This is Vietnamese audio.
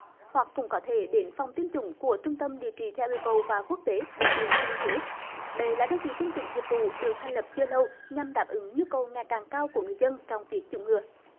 hoặc cũng có thể đến phòng tiêm chủng của trung tâm điều trị theo yêu cầu và quốc tế bệnh viện trung ương huế đây là đơn vị tiêm chủng dịch vụ được thành lập chưa lâu nhằm đáp ứng nhu cầu ngày càng cao của người dân trong việc chủng ngừa